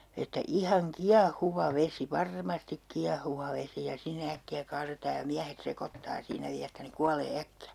että ihan kiehuva vesi varmasti kiehuva vesi ja sinne äkkiä kaadetaan ja miehet sekoittaa siinä vielä että ne kuolee äkkiä